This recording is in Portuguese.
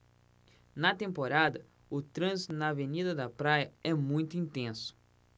na temporada o trânsito na avenida da praia é muito intenso